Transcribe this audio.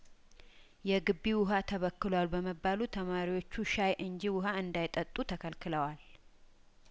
የግቢው ውሀ ተበክሏል በመባሉ ተማሪዎቹ ሻይ እንጂ ውሀ እንዳይጠጡ ተከልክለዋል